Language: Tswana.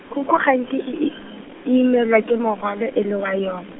khukhu ga e nke e i-, e imelwa ke morwalo e le wa yone.